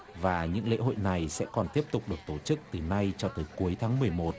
và những lễ hội này sẽ còn tiếp tục được tổ chức từ nay cho tới cuối tháng mười một